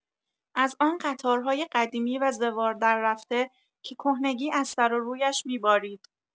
از آن قطارهای قدیمی و زوار دررفته که کهنگی از سر و رویش می‌بارید.